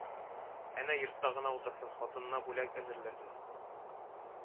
Әнә, йортта гына утырсын, хатынына бүләк әзерләсен